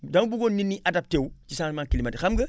dama bëggoon nit ñi adapté wu ci changement climatique xam nga